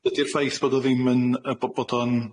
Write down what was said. Dydi'r ffaith bod o ddim yn- yy bo- bod o'n